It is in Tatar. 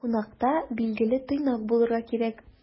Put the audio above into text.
Кунакта, билгеле, тыйнак булырга кирәк.